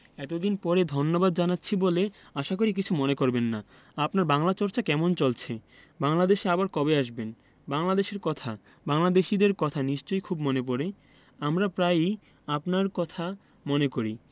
এতদিন পরে ধন্যবাদ জানাচ্ছি বলে আশা করি কিছু মনে করবেন না আপনার বাংলা চর্চা কেমন চলছে বাংলাদেশে আবার কবে আসবেন বাংলাদেশের কথা বাংলাদেশীদের কথা নিশ্চয় খুব মনে পরে আমরা প্রায়ই আপনারর কথা মনে করি